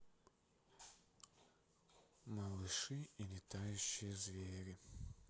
малыши и летающие звери